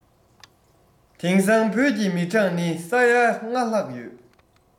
དེང སང བོད ཀྱི མི གྲངས ནི ས ཡ ལྔ ལྷག ཡོད